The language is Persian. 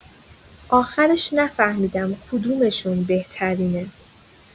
آخرش نفهمیدم کدومشون بهترینه!